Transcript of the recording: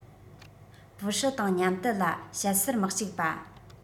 པུའུ ཧྲི དང མཉམ དུ ལ བཤད སར མི གཅིག པ